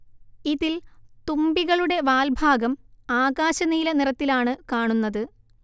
ഇതിൽ തുമ്പികളുടെ വാൽ ഭാഗം ആകാശനീല നിറത്തിലാണ് കാണുന്നത്